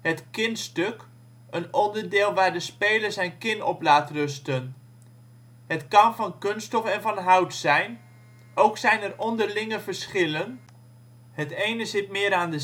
Het kinstuk, een onderdeel waar de speler zijn kin op laat rusten. het kan van kunststof en van hout zijn, ook zijn er onderlinge verschillen, het ene zit meer aan de zijkant